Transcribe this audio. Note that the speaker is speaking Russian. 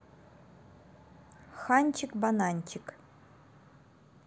ханчик бананчик